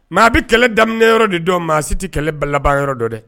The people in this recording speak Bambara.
Maa bɛ kɛlɛ daminɛ yɔrɔ de don maa si tɛ kɛlɛ baba yɔrɔ don dɛ